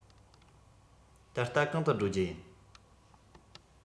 ད ལྟ གང དུ འགྲོ རྒྱུ ཡིན